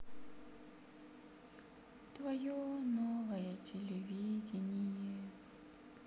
твое новое телевидение